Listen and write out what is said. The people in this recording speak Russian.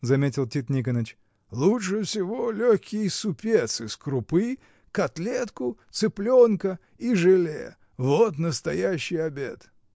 — заметил Тит Никоныч, — лучше всего легкий супец из крупы, котлетку, цыпленка и желе. вот настоящий обед.